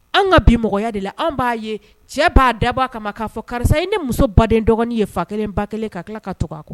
An ka binmɔgɔya de la an b'a ye cɛ b'a dabɔ a ma k'a fɔ karisa i ne muso baden dɔgɔnin ye fa kelen ba kelen k ka tila ka to a kɔ